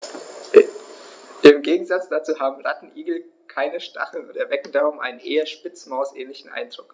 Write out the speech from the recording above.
Im Gegensatz dazu haben Rattenigel keine Stacheln und erwecken darum einen eher Spitzmaus-ähnlichen Eindruck.